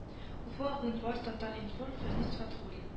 Уфа гыйнвар татар-информ фәнис фәтхуллин